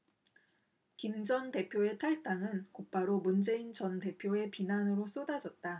김 전 대표의 탈당은 곧바로 문재인 전 대표의 비난으로 쏟아졌다